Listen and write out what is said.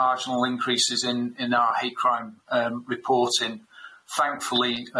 marginal increases in in our hate crime yym reporting thankfully